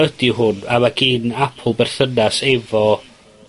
ydi hwn, a ma' gin Apple berthynas efo